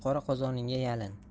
qora qozoningga yalin